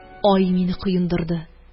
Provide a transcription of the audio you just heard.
Ай мине коендырды